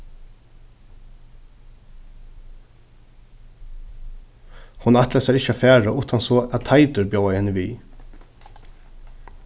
hon ætlaði sær ikki at fara uttan so at teitur bjóðaði henni við